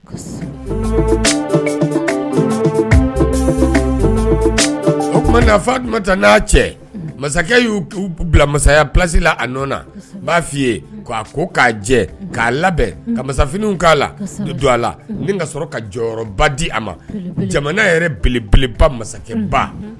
O tuma na cɛ masakɛ y'u bila masaya plasi la a b'a f'i k ko k' jɛ k'a labɛn ka masaf k'a la don a la sɔrɔ ka jɔyɔrɔba di a ma jamana yɛrɛelebeleba masakɛba